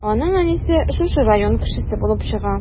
Аның әнисе шушы район кешесе булып чыга.